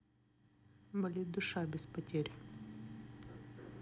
болит душа без потерь